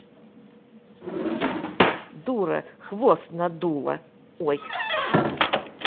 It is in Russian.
дура хвост надула ой